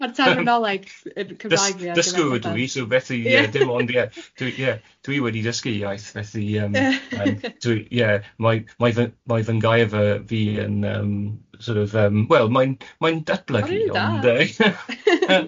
Ma'r terminoleg yn Cymraeg fi... dysgwr ydw i so fellu ie dim ond ie dwi ie dwi wedi dysgu iaith fethu yym dwi ie mae mae fy- mae fy ngai fi yn yym sort of yym wel mae'n mae'n datblygu... Ma'n rili da. ...ond di?